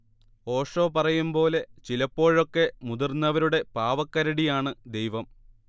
ഓഷോ പറയും പോലെ, ചിലപ്പോഴൊക്കെ മുതിർന്നവരുടെ പാവക്കരടിയാണ് ദൈവം